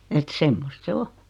että semmoista se on